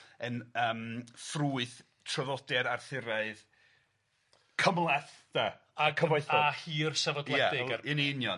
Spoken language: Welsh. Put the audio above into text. Yn yym ffrwyth traddodiad Arthuraidd cymhleth 'de a cyfoethog a hir sefydledig ia yn union.